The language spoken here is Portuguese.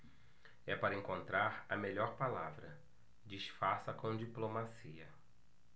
é para encontrar a melhor palavra disfarça com diplomacia